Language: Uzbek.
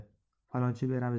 faloncha beramiz